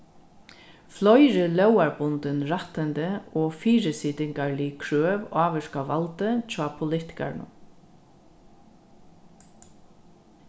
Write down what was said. fleiri lógarbundin rættindi og fyrisitingarlig krøv ávirka valdið hjá politikarunum